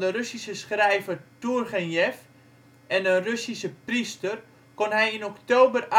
Russische schrijver Toergenjev en een Russische priester kon hij in oktober